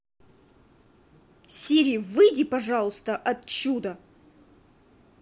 сири выйди пожалуйста от чуда